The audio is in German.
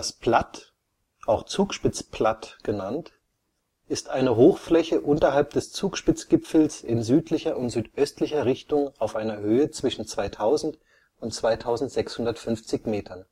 Platt (auch Zugspitzplatt) ist eine Hochfläche unterhalb des Zugspitzgipfels in südlicher und südöstlicher Richtung auf einer Höhe zwischen 2000 und 2650 m